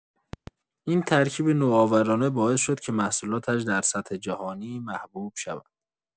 این ترکیب نوآورانه باعث شد که محصولاتش در سطح جهانی محبوب شوند.